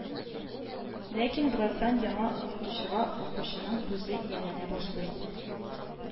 Ләкин бераздан яңа укытучыга укучының күзе ияләнә башлый